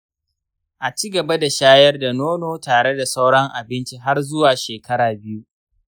a ci gaba da shayar da nono tare da sauran abinci har zuwa shekara biyu.